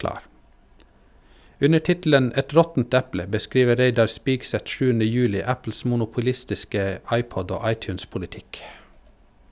Under tittelen "Et råttent eple" beskriver Reidar Spigseth 7. juli Apples monopolistiske iPod- og iTunes-politikk.